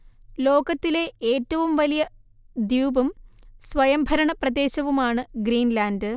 ലോകത്തിലെ ഏറ്റവും വലിയ ദ്വീപും സ്വയംഭരണ പ്രദേശവുമാണ് ഗ്രീൻലാൻഡ്